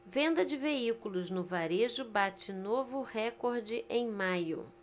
venda de veículos no varejo bate novo recorde em maio